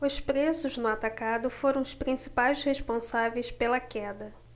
os preços no atacado foram os principais responsáveis pela queda